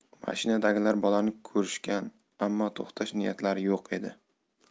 mashinadagilar bolani ko'rishgan ammo to'xtash niyatlari yo'q edi